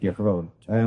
Diolch yn fowr.